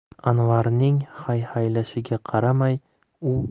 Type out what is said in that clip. anvarning hayhaylashiga qaramay u